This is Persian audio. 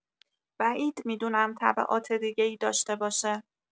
بعید می‌دونم تبعات دیگه‌ای داشته باشه.